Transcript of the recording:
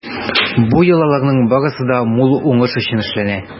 Бу йолаларның барысы да мул уңыш өчен эшләнә.